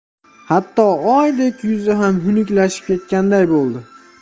hatto oydek yuzi ham xunuklashib ketganday bo'ldi